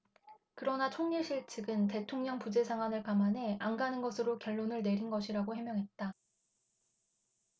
그러나 총리실측은 대통령 부재 상황을 감안해 안 가는 것으로 결론을 내린 것이라고 해명했다